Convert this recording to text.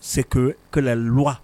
Seg kɛlɛ lwa